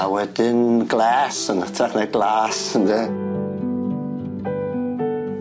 A wedyn gles yn hytrach na glas ynde?